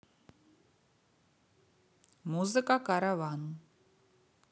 музыка караван